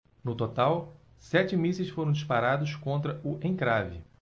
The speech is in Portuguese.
no total sete mísseis foram disparados contra o encrave